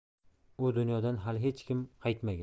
u dunyodan hali hech kim qaytmagan